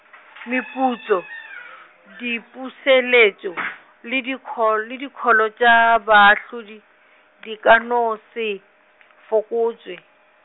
meputso, dipuseletšo , le dokhol-, dikholo tša baahlodi, di ka no se, fokotšwe.